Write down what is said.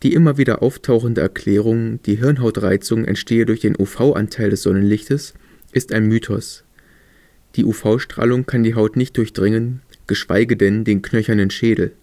immer wieder auftauchende Erklärung, die Hirnhautreizung entstehe durch den UV-Anteil des Sonnenlichtes, ist ein Mythos. Die UV-Strahlung kann die Haut nicht durchdringen, geschweige denn den knöchernen Schädel